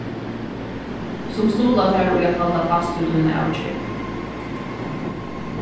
sum stuðla tær í at halda fast við tína avgerð